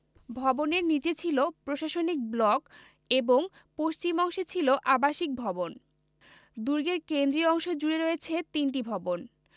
ভবনের নিচে ছিল প্রশাসনিক ব্লক এবং পশ্চিম অংশে ছিল আবাসিক ভবন দুর্গের কেন্দ্রীয় অংশ জুড়ে রয়েছে তিনটি ভবন